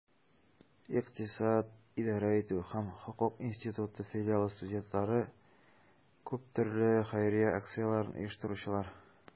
Икътисад, идарә итү һәм хокук институты филиалы студентлары - күп төрле хәйрия акцияләрен оештыручылар.